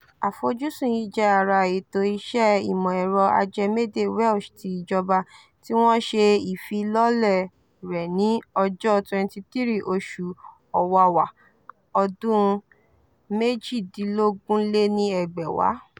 Àfojúsùn yìí jẹ́ ara Ètò Ìṣe Ìmọ̀-ẹ̀rọ Ajẹmédè Welsh ti ìjọba, tí wọ́n ṣe ìfilọ́lẹ̀ rẹ̀ ní ọjọ́ 23 oṣù Ọ̀wàwà, ọdún 2018.